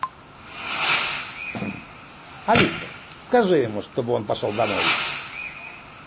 алиса скажи ему чтобы он пошел домой